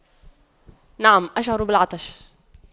نعم أشعر بالعطش